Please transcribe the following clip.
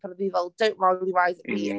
Pan oedd hi fel, don't roll your eyes at me...